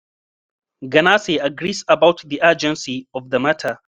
Ganase agrees about the urgency of the matter.